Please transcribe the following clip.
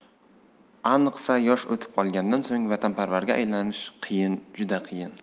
aniqsa yosh o'tib qolgandan so'ng vatanparvarga aylanish qiyin juda qiyin